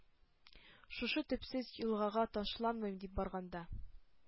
Шушы төпсез елгага ташланыйм дип барганда,